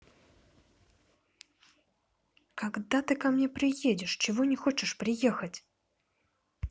когда ты ко мне приедешь чего не хочешь приехать